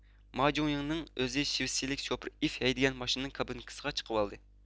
ماجۇڭيىڭنىڭ ئۆزى شىۋېتسىيىلىك شوپۇر ئىف ھەيدىگەن ماشىنىنىڭ كابىنكىسىغا چىقىۋالدى